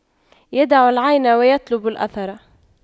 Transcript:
يدع العين ويطلب الأثر